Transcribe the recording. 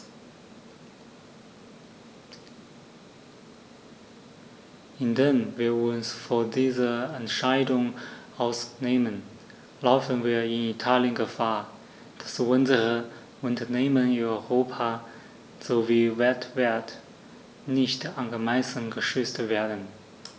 Indem wir uns von dieser Entscheidung ausnehmen, laufen wir in Italien Gefahr, dass unsere Unternehmen in Europa sowie weltweit nicht angemessen geschützt werden.